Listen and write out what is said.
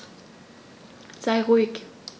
Sei ruhig.